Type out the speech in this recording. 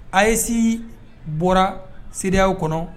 A ye si bɔra sew kɔnɔ